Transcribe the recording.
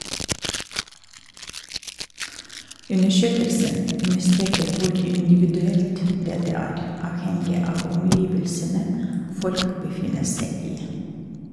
- Undersøkelsen understreker hvor individuelt dette er , avhengig av omgivelsene folk befinner seg i.